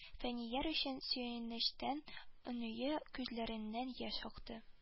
Фәнияр өчен сөенечтән аныө күзләреннән яшь акты